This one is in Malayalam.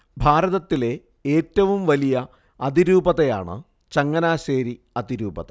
ഭാരതത്തിലെ ഏറ്റവും വലിയ അതിരൂപതയാണ് ചങ്ങനാശ്ശേരി അതിരൂപത